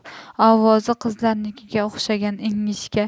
ovozi qizlarnikiga o'xshagan ingichka